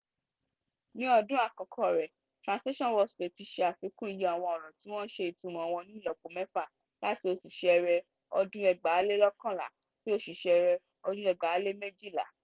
Ní ọdún àkọ́kọ́ rẹ̀, Translation Workspace ti ṣe àfikún iye àwọn ọ̀rọ̀ tí wọ́n ṣe ìtumọ̀ wọn ní ìlọ́po mẹ́fà (láti oṣù Ṣẹ́ẹ́rẹ́ ọdún 2011 sí oṣù Ṣẹ́ẹ́rẹ́ ọdún 2012).